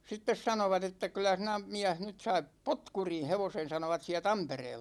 sitten sanoivat että kyllä sinä mies nyt sait potkurin hevosen sanoivat siellä Tampereella